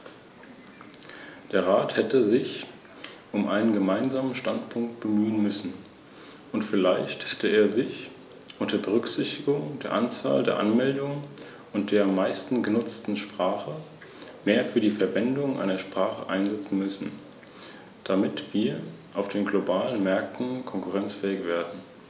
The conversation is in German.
Frau Präsidentin, ich befürworte den größten Teil der Änderungen, die in diesem Text vorgeschlagen werden, der im Grunde sowieso nur darin besteht, bisherige Vorschriften über die Höchstwerte an Radioaktivität in Nahrungsmitteln und Futtermitteln zu kodifizieren.